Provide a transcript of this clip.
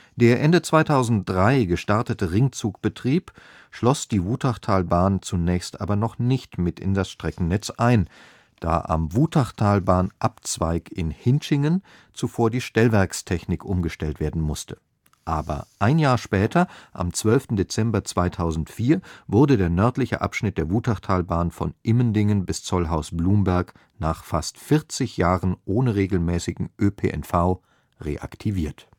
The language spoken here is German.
Der Ende 2003 gestartete Ringzug-Betrieb schloss die Wutachtalbahn zunächst aber noch nicht mit in das Streckennetz ein, da am Wutachtalbahn-Abzweig in Hintschingen zuvor die Stellwerkstechnik umgestellt werden musste. Aber ein Jahr später, am 12. Dezember 2004, wurde der nördliche Abschnitt der Wutachtalbahn von Immendingen bis Zollhaus-Blumberg nach fast 40 Jahren ohne regelmäßigen ÖPNV reaktiviert